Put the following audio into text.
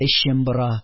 Эчем бора